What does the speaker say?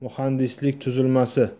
muhandislik tuzilmasi